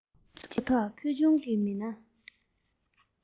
སྤྱི ཚོགས ཐོག ཕུལ བྱུང གི མི སྣ